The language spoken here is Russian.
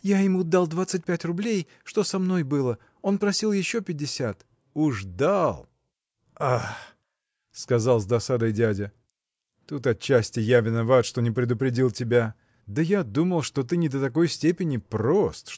я ему дал двадцать пять рублей, что со мной было он просил еще пятьдесят. – Уж дал! А! – сказал с досадой дядя – тут отчасти я виноват что не предупредил тебя да я думал что ты не до такой степени прост